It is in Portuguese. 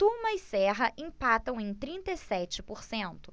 tuma e serra empatam em trinta e sete por cento